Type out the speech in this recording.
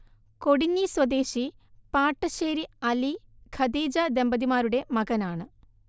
കൊടിഞ്ഞി സ്വദേശി പാട്ടശ്ശേരി അലി -ഖദീജ ദമ്പതിമാരുടെ മകനാണ്